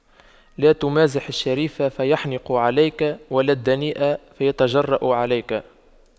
لا تمازح الشريف فيحنق عليك ولا الدنيء فيتجرأ عليك